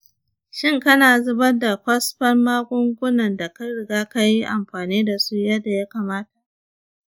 shin kana zubar da kwasfan magungunan da ka riga ka yi amfani da su yadda ya kamata?